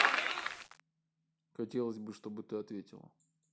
хотелось бы чтоб ты ответила